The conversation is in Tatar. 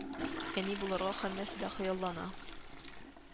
Әни булырга һәммәсе дә хыяллана